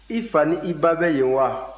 i fa ni i ba bɛ yen wa